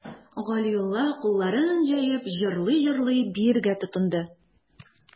Галиулла, кулларын җәеп, җырлый-җырлый биергә тотынды.